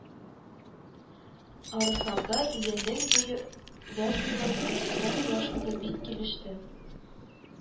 Арысланга Дөянең буе вә сыйфаты, хосусан юашлыгы бик килеште